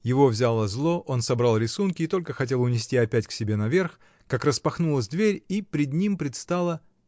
Его взяло зло, он собрал рисунки и только хотел унести опять к себе наверх, как распахнулась дверь и пред ним предстала.